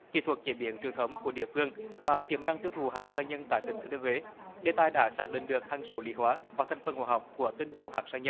kỹ thuật chế biến truyền thống của địa phương và tiềm năng tiêu thụ hạt sa nhân tại tỉnh thừa thiên huế đề tài đã xác định được hằng số lý hóa và thành phần hóa học của tinh dầu hạt sa nhân